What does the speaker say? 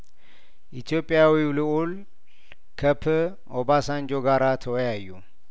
ኢትዮጵያዊው ልኡል ከፕ ኦባ ሳንጆ ጋራ ተወያዩ